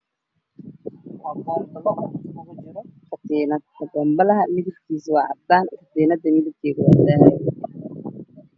Pompelo waxaa ku jiro latiinad pombalaha khilaafkiisu waa caddaanka tiinadana waa dahabi